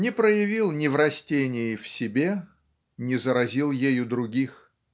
не проявил неврастении в себе не заразил ею других.